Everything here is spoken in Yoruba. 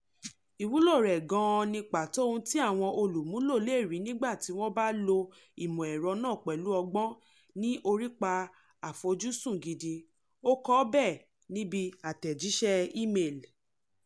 Ìwúlò rẹ̀ gangan ni pàtó ohun tí àwọn olùmúlò le rí nígbà tí wọ́n bá lo ìmọ̀ ẹ̀rọ náà pẹ̀lú ọgbọ́n ní orípa àfojúsùn gidi, "ó kọ bẹ́ẹ̀ níbi àtẹ̀jíṣẹ́ e-mail.